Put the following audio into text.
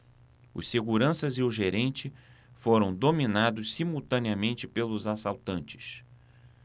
os seguranças e o gerente foram dominados simultaneamente pelos assaltantes